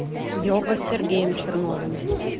йога с сергеем черновым